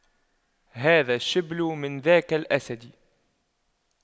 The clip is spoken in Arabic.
هذا الشبل من ذاك الأسد